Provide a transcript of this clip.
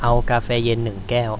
เอากาแฟเย็นหนึ่งแก้ว